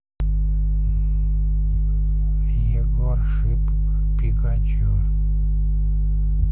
егор шип пикачу